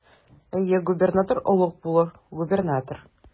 Әйе, губернатор олуг булыр, губернатор.